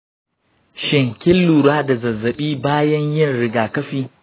shin kin lura da zazzaɓi bayan yin rigakafi?